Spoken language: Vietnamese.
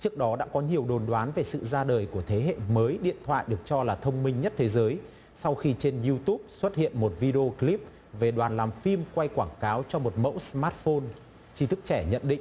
trước đó đã có nhiều đồn đoán về sự ra đời của thế hệ mới điện thoại được cho là thông minh nhất thế giới sau khi trên iu túp xuất hiện một vi đi ô cờ líp về đoàn làm phim quay quảng cáo cho một mẫu sờ mát phôn tri thức trẻ nhận định